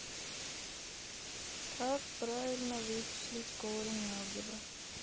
как правильно вычислить корень алгебра